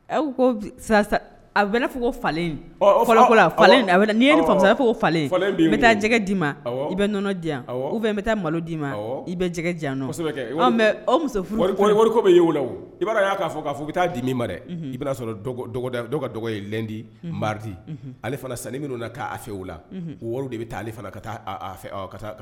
Falen fa falen bɛ taa d'i ma i bɛ nɔnɔ diya fɛ n bɛ taa malo d'i ma i bɛ muso bɛ' la i y'a'a fɔ' fɔ bɛ taa dimi ma dɛ i bɛ sɔrɔ dɔw ka dɔgɔ ye lɛndiridi ale fana sanuni min k'a fɛ o la wolo de bɛ taa ka taa fɛ